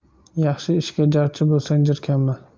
yaxshi ishga jarchi bo'lsang jirkanma